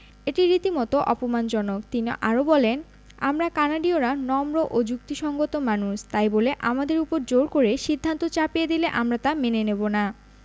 এটি রীতিমতো অপমানজনক তিনি আরও বলেন আমরা কানাডীয়রা নম্র ও যুক্তিসংগত মানুষ তাই বলে আমাদের ওপর জোর করে সিদ্ধান্ত চাপিয়ে দিলে আমরা তা মেনে নেব না